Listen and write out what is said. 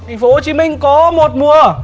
thành phố hồ chí minh có một mùa